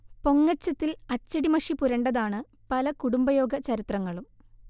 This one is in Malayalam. പൊങ്ങച്ചത്തിൽ അച്ചടിമഷി പുരണ്ടതാണ് പല കുടുംബയോഗ ചരിത്രങ്ങളും